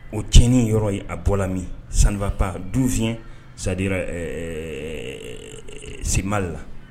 O tiɲɛnin yɔrɔ ye a bɔra min sanfa pa donsoyɛn sadira semari la